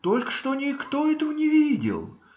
Только что никто этого не видел.